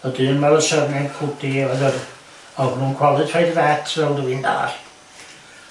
y dyn 'ma efo'r surname o'dd yr o'dda nw'n qualified vet fel dwi'n dalld.